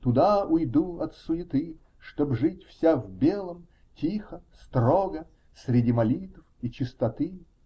Туда уйду от суеты, чтоб жить вся в белом, тихо, строго, среди молитв и чистоты.